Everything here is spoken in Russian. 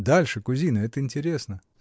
Дальше, кузина: это интересно!